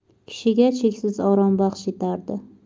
kishiga cheksiz orom baxsh etardi